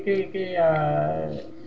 cái cái a